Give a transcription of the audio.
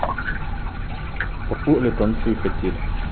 по полю танцуй хотели